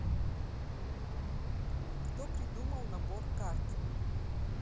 кто придумал набор карт